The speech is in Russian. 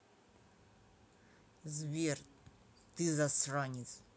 сбер ты засранец